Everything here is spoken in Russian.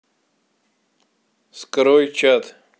скрой чат